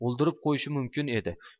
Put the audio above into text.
o'ldirib qo'yishi mumkin edi